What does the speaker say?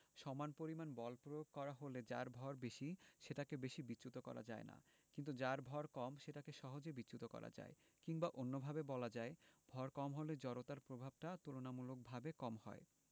সমান পরিমাণ বল প্রয়োগ করা হলে যার ভর বেশি সেটাকে বেশি বিচ্যুত করা যায় না কিন্তু যার ভয় কম সেটাকে সহজে বিচ্যুত করা যায় কিংবা অন্যভাবে বলা যায় ভর কম হলে জড়তার প্রভাবটা তুলনামূলকভাবে কম হয়